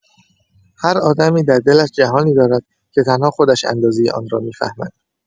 هر آدمی در دلش جهانی دارد که تنها خودش اندازه آن را می‌فهمد.